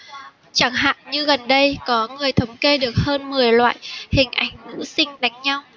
chẳng hạn như gần đây có người thống kê được hơn mười loại hình ảnh nữ sinh đánh nhau